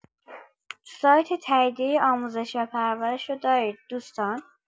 سایت تاییدیه آموزش و پرورش رو دارید دوستان؟